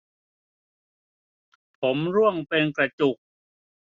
ผมร่วงเป็นกระจุก